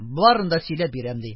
Барын да сөйләп бирәм, ди.